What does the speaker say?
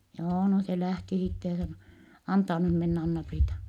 joo no se lähti sitten ja sanoi antaa nyt mennä Anna-Priita